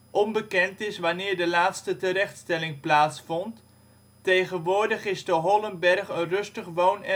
Onbekend is wanneer de laatste terechtstelling plaats vond, tegenwoordig is de Hollenberg een rustig woon-en